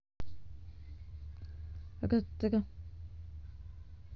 ртр